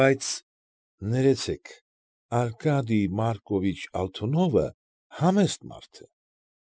Բայց ներեցեք, Արկադիյ Մարկովիչ Ալթունովը համեստ մարդ է։